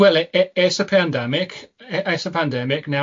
Wel e- e- ers y pandemic e- ers y pandemic nawr